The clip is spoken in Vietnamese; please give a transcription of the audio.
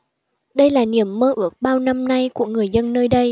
đây là niềm mơ ước bao năm nay của người dân nơi đây